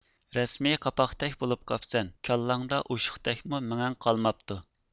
رەسمىي قاپاقتەك بولۇپ قاپسەن كاللاڭدا ئوشۇقتەكمۇ مېڭەڭ قالماپتۇ